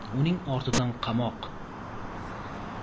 uning ortidan qamoq